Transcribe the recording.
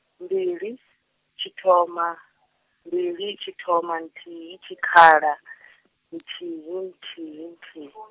mbili, tshithoma, mbili tshithoma nthihi tshikhala, nthihi nthihi nthihi .